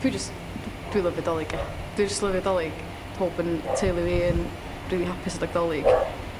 Dwi jys n- d- dwi lyfio 'Dolig ie dwi jyst lyfio 'Dolig powb yn teulu fi yn rili hapus adeg 'Dolig.